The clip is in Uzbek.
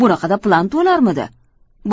bunaqada plan to'larmidi